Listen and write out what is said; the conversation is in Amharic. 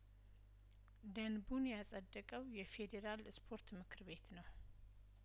ደንቡን ያጸደቀው የፌዴራል እስፖርት ምክር ቤት ነው